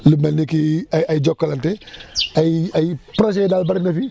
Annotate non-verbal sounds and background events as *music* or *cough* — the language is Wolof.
lu mel ni ki y ay Jokalante *breath* *noise* ay ay projets yooyu daal bëri na fi